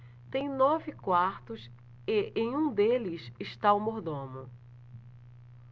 tem nove quartos e em um deles está o mordomo